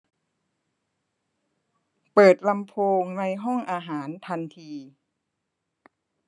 เปิดลำโพงในห้องอาหารทันที